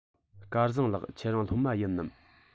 སྐལ བཟང ལགས ཁྱེད རང སློབ མ ཡིན ནམ